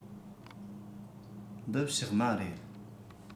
འདི ཕྱགས མ རེད